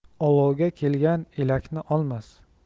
olovga kelgan elakni olmas